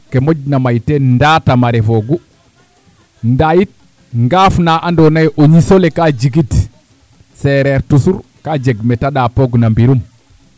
ke moƴna may teen ndatam a refoogu ndaa yit ngaaf na andoona yee o ñis ole ka jigid seereer tusuur ka jeg meeta ɗapoogna mbirum